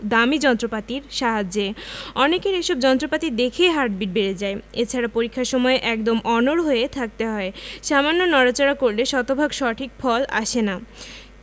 দামি যন্ত্রপাতির সাহায্যে অনেকের এসব যন্ত্রপাতি দেখেই হার্টবিট বেড়ে যায় এছাড়া পরীক্ষার সময় একদম অনড় হয়ে থাকতে হয় সামান্য নড়াচড়া করলে শতভাগ সঠিক ফল আসে না